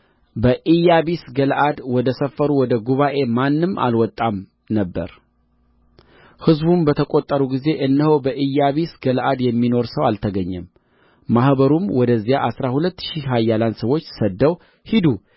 በኢያቢስ ገለዓድ ወደ ሰፈሩ ወደ ጉባኤ ማንም አልወጣም ነበር ሕዝቡም በተቈጠሩ ጊዜ እነሆ በኢያቢስ ገለዓድ የሚኖር ሰው አልተገኘም ማኅበሩም ወደዚያ አሥራ ሁለት ሺህ ኃያላን ሰዎች ሰድደው ሂዱ